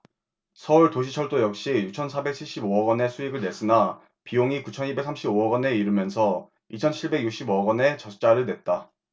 서울도시철도 역시 육천 사백 칠십 오 억원의 수익을 냈으나 비용이 구천 이백 삼십 오 억원에 이르면서 이천 칠백 육십 억원의 적자를 냈다